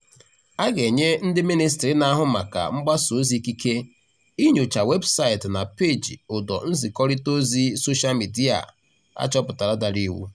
A ga-enye ndị Minịstrị na-ahụ maka mgbasaozi ikike inyocha weebụsaịtị na peeji ụdọ nzikọrịtaozi soshial media a chọpụtara dara iwu.